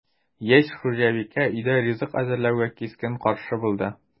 Яшь хуҗабикә өйдә ризык әзерләүгә кискен каршы булды: